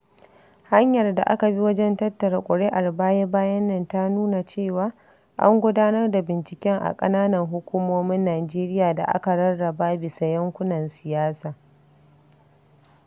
Hanyar da aka bi wajen tattara ƙuri'ar baya-bayan nan ta nuna cewa, an gudanar da binciken a "ƙananan hukumomin Nijeriya da aka rarraba bisa yankunan siyasa".